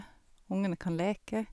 Ungene kan leke.